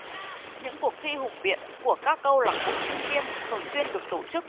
những cuộc thi hùng biện của các câu lạc bộ sinh viên thường xuyên được tổ chức